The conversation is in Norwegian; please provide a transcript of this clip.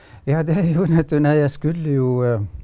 ja det nei jeg skulle jo .